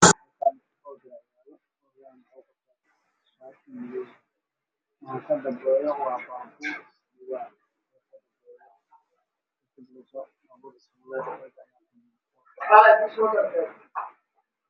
Meeshan waxaa iga muuqdo shaati buluuga